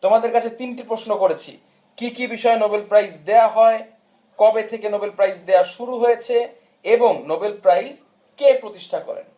তোমাদের কাছে তিনটি প্রশ্ন করেছি কি কি বিষয়ে নোবেল প্রাইজ দেয়া হয় কবে থেকে নোবেল প্রাইজ দেয়া শুরু হয়েছে এবং নোবেল প্রাইজ কে প্রতিষ্ঠা করেন